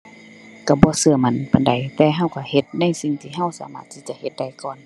ก็บ่ก็มั่นปานใด แต่ก็ก็เฮ็ดในสิ่งที่ก็สามารถที่จะเฮ็ดได้ก่อน